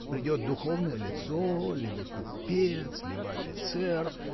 придет духовное лицо, либо купец, либо офицер